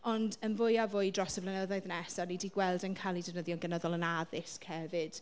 Ond yn fwy a fwy dros y flynyddoedd nesaf ni 'di gweld e'n cael eu defnyddio'n gynyddol yn addysg hefyd.